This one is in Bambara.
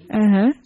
Aɔn